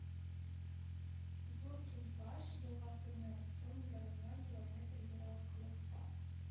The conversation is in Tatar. Зур Кемпаж елгасының уң ярыннан километр ераклыкта